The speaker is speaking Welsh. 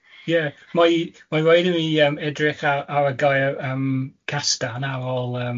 Yeah, mae mae raid i fi yym edrych ar ar y gair yym 'castan' ar ôl yym